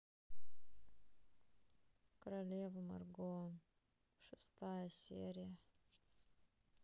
королева марго шестая серия